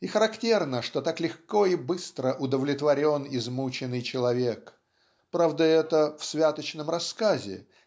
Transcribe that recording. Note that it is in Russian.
И характерно, что так легко и быстро удовлетворен измученный человек правда, это в святочном рассказе